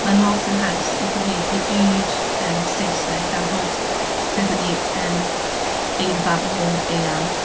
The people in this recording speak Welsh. Mae'n lot yn haws i gyfieithu i'r, yym, Saesneg gan fod gyda ni, yym, eirfa mor eang.